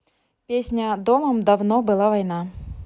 песня домом давно была война